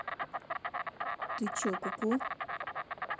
ты че куку